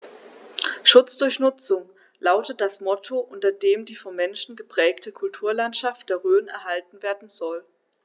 „Schutz durch Nutzung“ lautet das Motto, unter dem die vom Menschen geprägte Kulturlandschaft der Rhön erhalten werden soll.